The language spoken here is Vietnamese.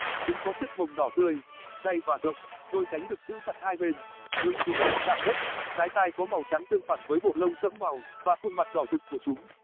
chúng có chiếc mồng đỏ tươi dày và rộng đôi cánh được giữ chặt hai bên hướng xuống gần chạm đất dái tai có màu trắng tương phản với bộ lông sẫm màu và khuôn mặt đỏ rực của chúng